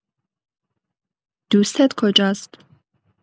دوستت کجاست؟